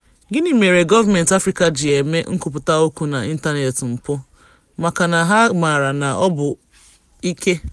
Gịnị mere gọọmentị Afrịka ji eme nkwupụta okwu n'ịntaneetị mpụ? Maka na ha mara na ọ bụ ike.